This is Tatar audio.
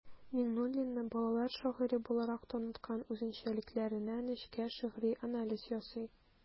Миңнуллинны балалар шагыйре буларак таныткан үзенчәлекләренә нечкә шигъри анализ ясый.